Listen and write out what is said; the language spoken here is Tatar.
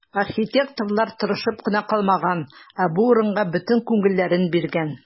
Архитекторлар тырышып кына калмаган, ә бу урынга бөтен күңелләрен биргән.